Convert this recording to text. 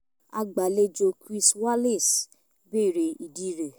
Agbàlejò, Chris Wallace bèèrè ìdí rẹ̀